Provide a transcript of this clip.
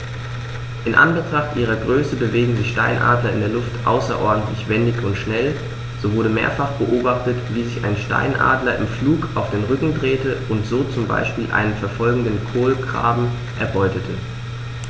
In Anbetracht ihrer Größe bewegen sich Steinadler in der Luft außerordentlich wendig und schnell, so wurde mehrfach beobachtet, wie sich ein Steinadler im Flug auf den Rücken drehte und so zum Beispiel einen verfolgenden Kolkraben erbeutete.